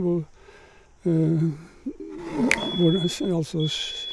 hvor hvor det s altså skj...